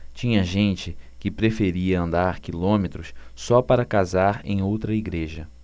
tinha gente que preferia andar quilômetros só para casar em outra igreja